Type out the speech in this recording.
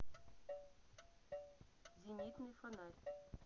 зенитный фонарь